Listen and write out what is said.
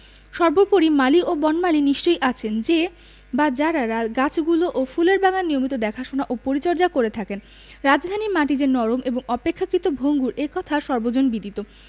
সর্বোপরি মালি ও বনমালী নিশ্চয়ই আছেন যে বা যারা গাছগুলো ও ফুলের বাগান নিয়মিত দেখাশোনা ও পরিচর্যা করে থাকেন রাজধানীর মাটি যে নরম এবং অপেক্ষাকৃত ভঙ্গুর এ কথা সর্বজনবিদিত